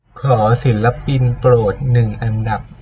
ขอศิลปินโปรดหนึ่งอันดับ